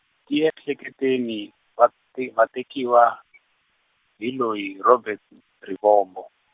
tiehleketeni, va te va tekiwa, hi loyi, Robert Rivombo.